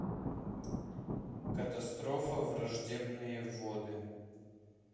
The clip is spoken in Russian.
катастрофа враждебные воды